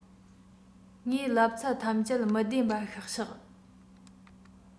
ངས ལབ ཚད ཐམས ཅད མི བདེན པ ཤག ཤག